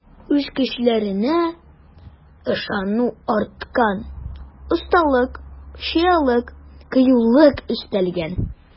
Үз көчләренә ышану арткан, осталык, чаялык, кыюлык өстәлгән.